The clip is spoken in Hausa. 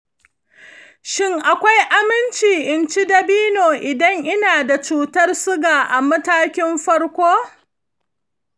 shin akwai aminci in ci dabino idan ina da cutar ciwon suga a matakin farko?